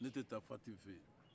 ne tɛ fati fɛ yen